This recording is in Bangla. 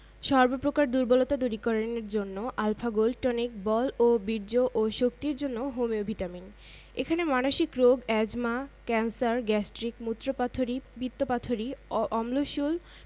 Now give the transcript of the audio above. সর্ব প্রকার দুর্বলতা দূরীকরণের জন্য আল্ ফা গোল্ড টনিক বল ও বীর্য ও শক্তির জন্য হোমিও ভিটামিন এখানে মানসিক রোগ এ্যজমা ক্যান্সার গ্যাস্ট্রিক মুত্রপাথড়ী পিত্তপাথড়ী অম্লশূল